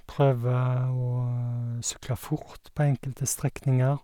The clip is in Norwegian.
Prøver å sykle fort på enkelte strekninger.